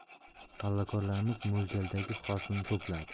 g'allakorlarimiz mo'ljaldagi hosilni to'pladi